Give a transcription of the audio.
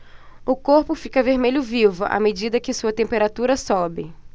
o corpo fica vermelho vivo à medida que sua temperatura sobe